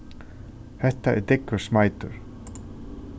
hetta er dyggur smeitur